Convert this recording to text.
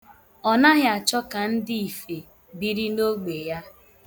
Ọ naghị achọ ka ndị ife biri n' ogbe ya.